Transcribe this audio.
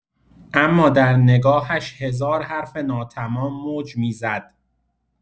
اما در نگاهش هزار حرف ناتمام موج می‌زد.